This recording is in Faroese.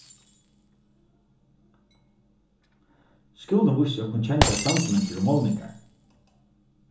skúlin vísti okkum kendar standmyndir og málningar